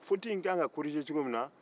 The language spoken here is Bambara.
fili in ka kan ka latilen cogo min na